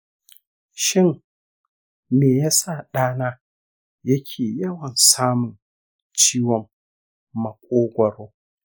shin me yasa ɗana yake yawan samun ciwon maƙogwaro?